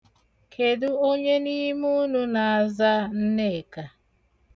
Kedu onye n'ime unu na-aza Nnekà?